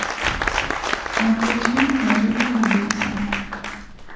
смотреть фильм наемный убийца